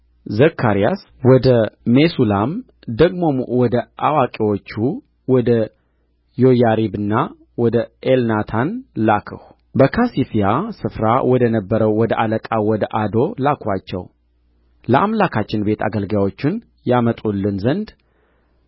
ዘካርያስ ወደ ሜሱላም ደግሞም ወደ አዋቂዎቹ ወደ ዮያሪብና ወደ ኤልናታን ላክሁ በካሲፍያ ስፍራ ወደ ነበረው ወደ አለቃው ወደ አዶ ላክኋቸው ለአምላካችን ቤት አገልጋዮችን ያመጡልን ዘንድ